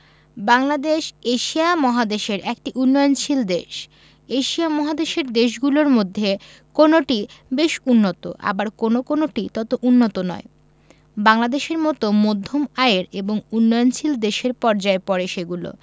Bangladesh Asia মহাদেশের একটি উন্নয়নশীল দেশ এশিয়া মহাদেশের দেশগুলোর মধ্যে কোনটি বেশ উন্নত আবার কোনো কোনোটি তত উন্নত নয় বাংলাদেশের মতো মধ্যম আয়ের এবং উন্নয়নশীল দেশের পর্যায়ে পড়ে সেগুলো